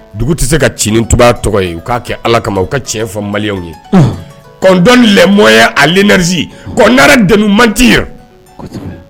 Dugu tɛ se ka ci ni tu tɔgɔ ye u k'a kɛ Ala kama u ka tiɲɛ fɔ maliyɛnw ye qu'on donne les moyens à l'énergie, qu'on arrête de nous mentir kosɛbɛ